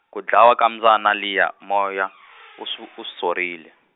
ku dlawa ka mbyana liya, Moyo, u swu- u sorile.